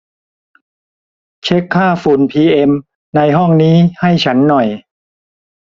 เช็คค่าฝุ่น PM ในห้องนี้ให้ฉันหน่อย